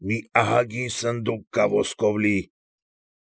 Մի ահագին սնդուկ կա ոսկով լի։